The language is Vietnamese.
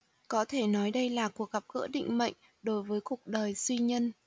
có thể nói đây là cuộc gặp gỡ định mệnh đối với cuộc đời duy nhân